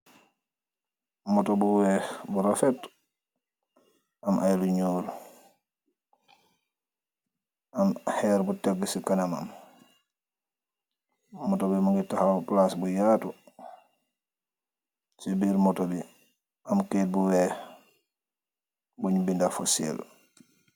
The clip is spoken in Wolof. Moto bu weex bu refet aam ay lu nuul aam herr bu teku si kanam moto bi mogi taxaw palac bu yatu si birr motor bi am kayit bu weex bung benda for sale.